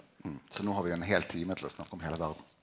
så nå har vi ein heil time til å snakke om heile verda.